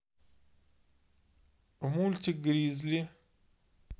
мультик гризли